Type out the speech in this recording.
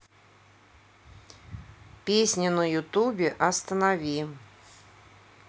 песня на youtube останови